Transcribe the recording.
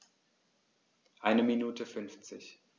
Eine Minute 50